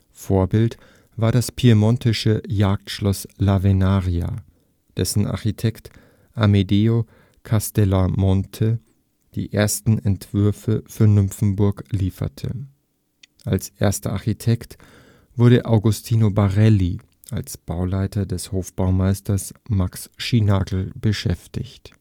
Vorbild war das piemontesische Jagdschloss La Venaria, dessen Architekt Amedeo Castellamonte (1613 – 1683) die ersten Entwürfe für Nymphenburg lieferte. Als erster Architekt wurde Agostino Barelli, als Bauleiter der Hofbaumeister Marx (Markus) Schinnagl beschäftigt